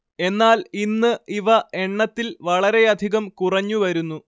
എന്നാൽ ഇന്ന് ഇവ എണ്ണത്തിൽ വളരെയധികം കുറഞ്ഞു വരുന്നു